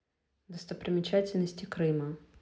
достопримечательности крыма